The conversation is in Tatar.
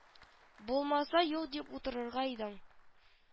Булмаса юк дип утырырга идең